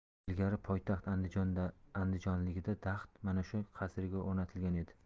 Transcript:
ilgari poytaxt andijondaligida taxt mana shu qasrga o'rnatilgan edi